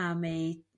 am ei